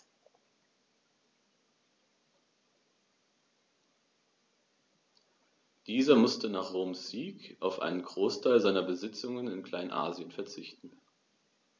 Dieser musste nach Roms Sieg auf einen Großteil seiner Besitzungen in Kleinasien verzichten.